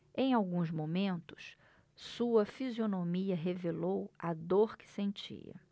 em alguns momentos sua fisionomia revelou a dor que sentia